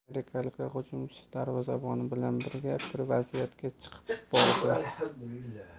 amirliklar hujumchisi darvozaboni bilan birga bir vaziyatga chiqib bordi